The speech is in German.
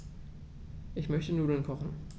Ich möchte Nudeln kochen.